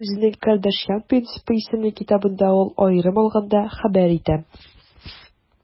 Үзенең «Кардашьян принципы» исемле китабында ул, аерым алганда, хәбәр итә: